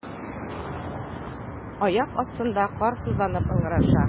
Аяк астында кар сызланып ыңгыраша.